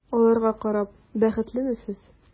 Аларга карап бәхетлеме сез?